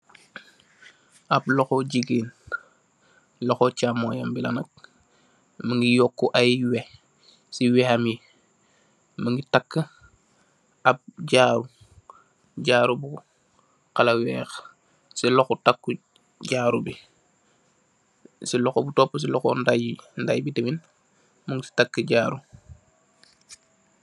Ab loxo jigeen, loxo camooy bi la nak mugii yóku ay wé ci wé ham yi, mugii takka am jaru, jaru bu kala wèèx ci loxo bu topu ci loxo ndey mugii ci takka jaru.